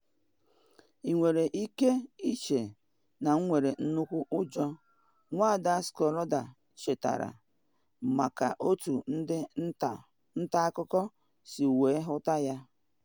“Ị nwere ike ịche na m nwere nnukwu ụjọ,” Nwada Schroeder chetara maka otu ndị nta akụkọ si wee hụta ya.